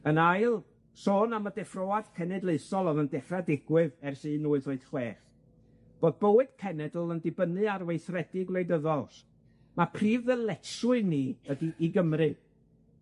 Yn ail, sôn am y deffroad cenedlaethol o'dd yn dechra digwydd ers un wyth wyth chwech, fod bywyd cenedl yn dibynnu ar weithredu gwleidyddol, ma' prif ddyletswydd ni ydi i Gymru.